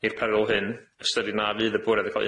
i'r peryl hyn ystyrir na fydd y bwriad yn ca'l